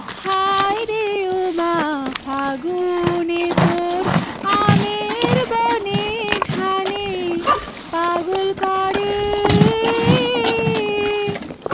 হায়রে ওমা ফাগুনে তোর আমের বনে ঘ্রাণে পাগল করে